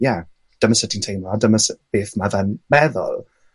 ie, dyma sut ti'n teimlo a dyma su- beth ma' fe'n meddwl.